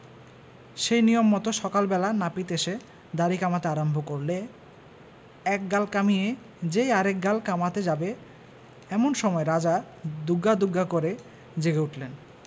সেই নিয়ম মত সকাল বেলা নাপিত এসে দাড়ি কামাতে আরম্ভ করলে এক গাল কামিয়ে যেই আর এক গাল কামাতে যাবে এমন সময় রাজা দুর্গা দুর্গা করে জেগে উঠলেন